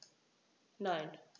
Nein.